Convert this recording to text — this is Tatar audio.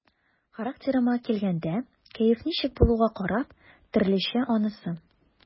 Характерыма килгәндә, кәеф ничек булуга карап, төрлечә анысы.